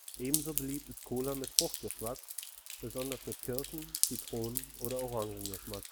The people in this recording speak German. Ebenso beliebt ist Cola mit Fruchtgeschmack, besonders mit Kirsch -, Zitronen - oder Orangengeschmack